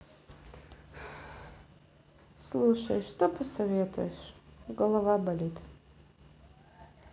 слушай что посоветуешь голова болит